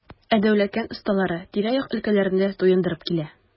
Ә Дәүләкән осталары тирә-як өлкәләрне дә туендырып килә.